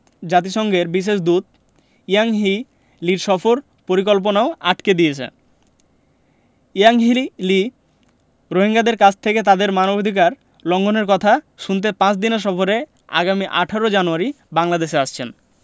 জাতিসংঘের বিশেষ দূত ইয়াংহি লির সফর পরিকল্পনাও আটকে দিয়েছে ইয়াংহি লি রোহিঙ্গাদের কাছ থেকে তাদের মানবাধিকার লঙ্ঘনের কথা শুনতে পাঁচ দিনের সফরে আগামী ১৮ জানুয়ারি বাংলাদেশে আসছেন